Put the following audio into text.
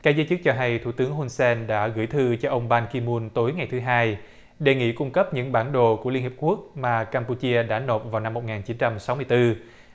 các giới chức cho hay thủ tướng hun sen đã gửi thư cho ông ban ki mun tối ngày thứ hai đề nghị cung cấp những bản đồ của liên hiệp quốc mà cam phu chia đã nộp vào năm một nghìn chín trăm sáu mươi tư